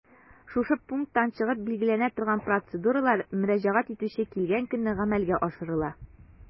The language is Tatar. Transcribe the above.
Шушы пункттан чыгып билгеләнә торган процедуралар мөрәҗәгать итүче килгән көнне гамәлгә ашырыла.